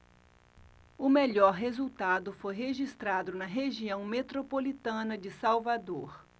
o melhor resultado foi registrado na região metropolitana de salvador